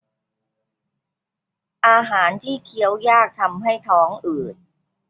อาหารที่เคี้ยวยากทำให้ท้องอืด